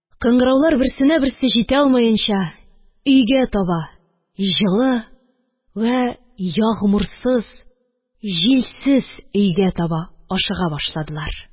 Кыңгыраулар, берсенә берсе җитә алмаенча, өйгә таба, йылы вә ягъмурсыз, җилсез өйгә таба ашыга башладылар.